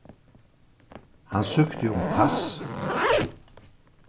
hann søkti um pass